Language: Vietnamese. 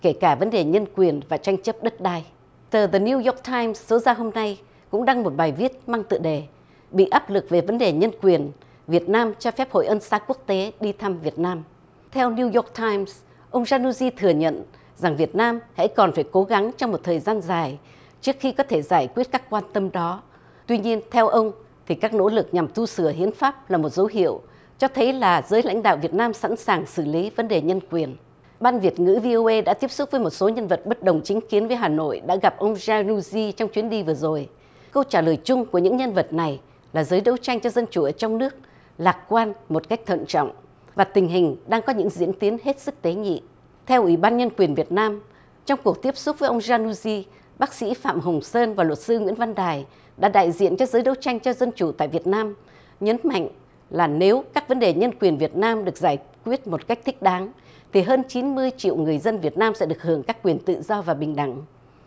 kể cả vấn đề nhân quyền và tranh chấp đất đai tờ dơ niu oóc tam số ra hôm nay cũng đăng một bài viết mang tựa đề bị áp lực về vấn đề nhân quyền việt nam cho phép hội ân xá quốc tế đi thăm việt nam theo niu oóc tam ông gian lui di thừa nhận rằng việt nam hãy còn phải cố gắng trong thời gian dài trước khi có thể giải quyết các quan tâm đó tuy nhiên theo ông thì các nỗ lực nhằm tu sửa hiến pháp là một dấu hiệu cho thấy là giới lãnh đạo việt nam sẵn sàng xử lý vấn đề nhân quyền ban việt ngữ vi ô ây đã tiếp xúc với một số nhân vật bất đồng chính kiến với hà nội đã gặp ông gian lui di trong chuyến đi vừa rồi câu trả lời chung của những nhân vật này là giới đấu tranh cho dân chủ trong nước lạc quan một cách thận trọng và tình hình đang có những diễn biến hết sức tế nhị theo ủy ban nhân quyền việt nam trong cuộc tiếp xúc với ông gian lui di bác sỹ phạm hồng sơn và luật sư nguyễn văn đài đã đại diện cho giới đấu tranh cho dân chủ tại việt nam nhấn mạnh là nếu các vấn đề nhân quyền việt nam được giải quyết một cách thích đáng vì hơn chín mươi triệu người dân việt nam sẽ được hưởng các quyền tự do và bình đẳng